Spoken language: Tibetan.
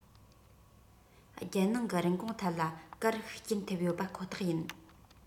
རྒྱལ ནང གི རིན གོང ཐད ལ ཀར ཤུགས རྐྱེན ཐེབས ཡོད པ ཁོ ཐག ཡིན